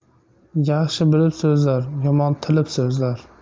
yaxshi bilib so'zlar yomon tilib so'zlar